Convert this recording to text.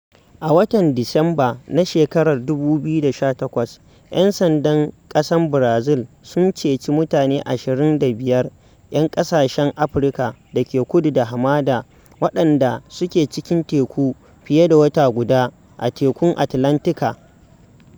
A watan Disamba na shekarar 2018, 'yan sandan ƙasar Brazil sun ceci mutane 25 'yan ƙasashen Afirka da ke kudu da hamada waɗanda "su ke cikin teku fiye da wata guda" a Tekun Atlantika.